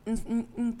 Unh unh unh